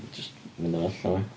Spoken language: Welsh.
Jyst mynd â fo allan ia.